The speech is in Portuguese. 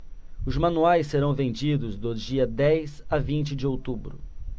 os manuais serão vendidos do dia dez a vinte de outubro